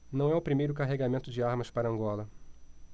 não é o primeiro carregamento de armas para angola